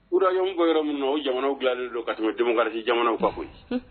Uykɛ yɔrɔ min o jamanaw dilanlen don ka denwkarasi jamanaw ka koyi